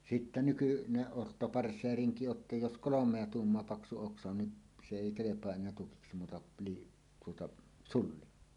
sitten nykyinen ottopartseerinki on jotta jos kolmea tuumaa paksu oksa on niin se ei kelpaa enää tukiksi muuta - tuota sulli